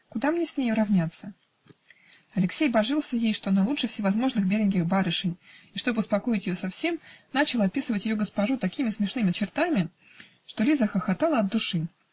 Куда мне с нею равняться!" Алексей божился ей, что она лучше всевозможных беленьких барышень и, чтоб успокоить ее совсем, начал описывать ее госпожу такими смешными чертами, что Лиза хохотала от души.